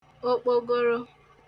okpogoro